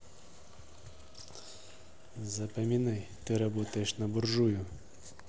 запоминай ты работаешь на буржую